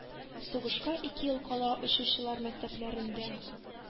Сугышка ике ел кала очучылар мәктәпләрендә